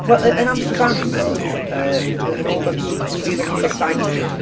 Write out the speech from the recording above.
Wel y- yn Amsterdam ddo yy, yn ôl rywbeth dwy fil ag un deg saith...